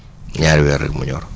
ñaari weer rek mu ñor